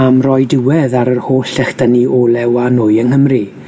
am roi diwedd ar yr holl echdynnu olew a nwy yng Nghymru,